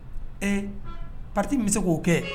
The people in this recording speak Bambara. Ee pati bɛ se k'o kɛ